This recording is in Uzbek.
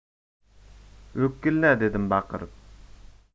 lo'killa dedim baqirib